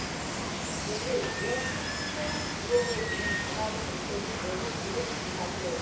오 일 오후 세 시 서울 종로구에 있는 광화문우체국 내부 고객봉사실